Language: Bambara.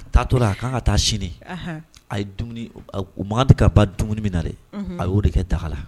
A taa tora la a ka kan ka taa sini a ye makandi ka ba dumuni min na dɛ a y'o de kɛ daga la